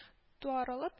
Туарылып